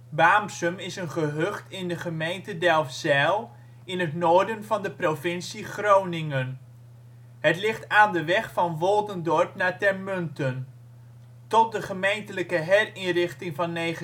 Baamsum is een gehucht in de gemeente Delfzijl in het noorden van de provincie Groningen. Het ligt aan de weg van Woldendorp naar Termunten. Tot de gemeentelijke herindeling van 1990